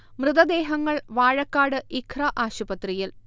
മൃതദേഹങ്ങൾ വാഴക്കാട് ഇഖ്റ ആശുപത്രിയിൽ